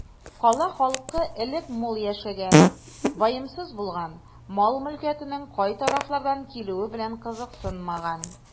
Кала халкы элек мул яшәгән, ваемсыз булган, мал-мөлкәтнең кай тарафлардан килүе белән кызыксынмаган.